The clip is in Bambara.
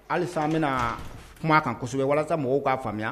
Halisa an bi na kuma a kan kosɛbɛ walasa mɔgɔw ka faamuya.